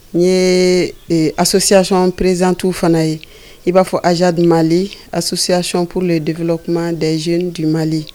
N ye association presidente fana ye i b'a fɔ AJDMali